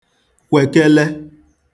kwekele